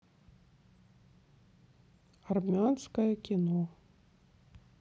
армянское кино